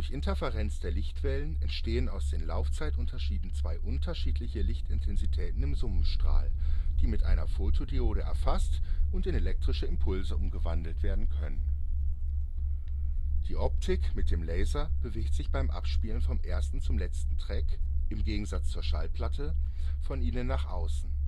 Interferenz der Lichtwellen entstehen aus den Laufzeitunterschieden zwei unterschiedliche Lichtintensitäten im Summenstrahl, die mit einer Photodiode erfasst und in elektrische Impulse umgewandelt werden. Die Optik mit dem Laser bewegt sich beim Abspielen vom ersten zum letzten Track im Gegensatz zur Schallplatte von innen nach außen